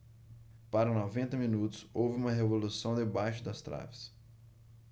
para noventa minutos houve uma revolução debaixo das traves